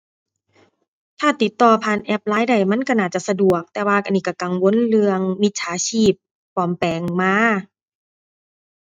ถ้าติดต่อผ่านแอป LINE ได้มันก็น่าจะสะดวกแต่ว่าอันนี้ก็กังวลเรื่องมิจฉาชีพปลอมแปลงมา